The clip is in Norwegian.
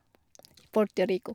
Puerto Rico.